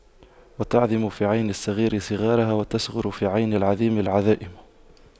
وتعظم في عين الصغير صغارها وتصغر في عين العظيم العظائم